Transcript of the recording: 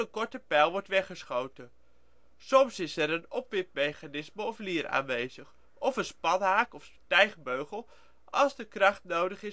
korte pijl wordt weggeschoten. Soms is er een opwindmechanisme of lier aanwezig, of een spanhaak of stijgbeugel als de kracht nodig